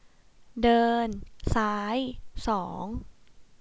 เดินซ้ายสอง